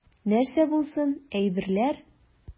Нәрсә булсын, әйберләр.